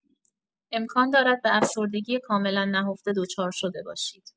امکان دارد به افسردگی کاملا نهفته دچار شده باشید.